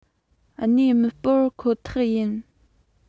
གནས མི སྤོར ཁོ ཐག ཡིན